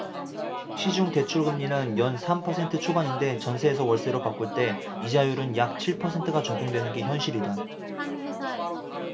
시중 대출금리는 연 삼 퍼센트 초반인데 전세에서 월세로 바꿀 때 이자율은 약 칠 퍼센트가 적용되는 게 현실이다